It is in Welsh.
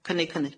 Cynnig hynny.